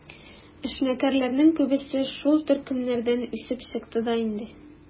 Эшмәкәрләрнең күбесе шул төркемнәрдән үсеп чыкты да инде.